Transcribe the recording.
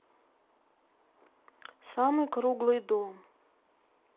самый круглый дом